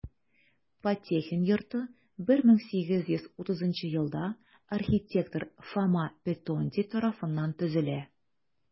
Потехин йорты 1830 елда архитектор Фома Петонди тарафыннан төзелә.